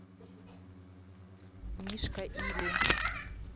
мишка или